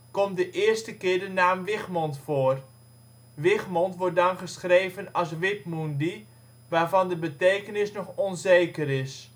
komt de eerste keer de naam Wichmond voor. Wichmond wordt dan geschreven als Withmundi, waarvan de betekenis nog onzeker is